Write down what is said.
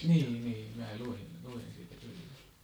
niin niin minä luin luin siitä kyllä